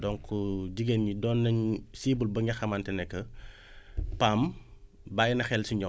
donc jigéen ñi doon nañ cibles bi nga xamante ne que PAM bàyyi na xel ci ñoom